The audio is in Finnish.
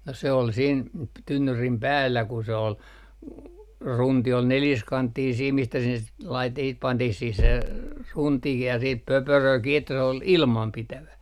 no se oli siinä - tynnyrin päällä kun se oli runti oli neliskanttinen siinä mistä sinne - sitten pantiin siihen se runtikin ja sitten pöperöä kiinni että se oli ilmanpitävä